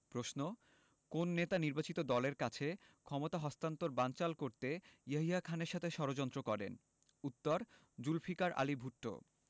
প্রশ্ন কোন নেতা নির্বাচিত দলের কাছে ক্ষমতা হস্তান্তর বানচাল করতে ইয়াহিয়া খানের সাথে ষড়যন্ত্র করেন উত্তরঃ জুলফিকার আলী ভুট্ট